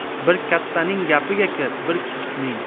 bir kattaning gapiga kir bir kichikning